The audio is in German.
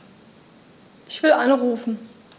Ich will anrufen.